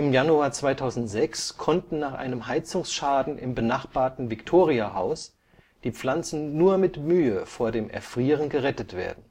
Januar 2006 konnten nach einem Heizungsschaden im benachbarten Victoria-Haus die Pflanzen nur mit Mühe vor dem Erfrieren gerettet werden